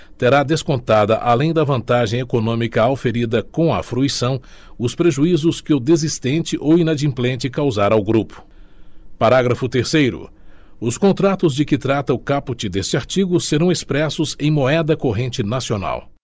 terá descontada além da vantagem econômica auferida com a fruição os prejuízos que o desistente ou inadimplente causar ao grupo parágrafo terceiro os contratos de que trata o caput deste artigo serão expressos em moeda corrente nacional